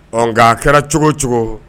Ɔ a kɛra cogo cogo